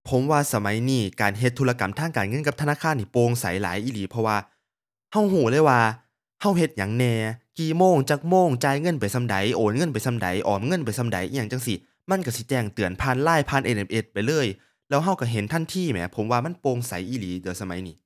ผมว่าสมัยนี้การเฮ็ดธุรกรรมทางการเงินกับธนาคารนี่โปร่งใสหลายอีหลี เพราะว่า เราเราเลยว่า เราเฮ็ดหยังแหน่ กี่โมง จักโมง จ่ายเงินไปส่ำใด โอนเงินไปส่ำใด ออมเงินไปส่ำใดอิหยังจั่งซี้ มันเราสิแจ้งเตือนผ่านไลน์ผ่าน SMS ไปเลย แล้วเราเราเห็นทันทีแหม ผมว่ามันโปร่งใสอีหลีตั่วสมัยนี้